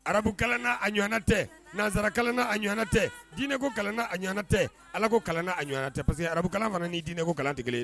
Arabukalana a ɲɔgɔnana tɛ nanzsarakaana a ɲɔgɔnana tɛ diinɛko kalanana a ɲɔgɔnka tɛ ala ko kalan a ɲɔgɔn tɛ parce que arabukala fana' diinɛko kalantigɛ kelen ye